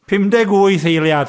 Pum deg wyth eiliad.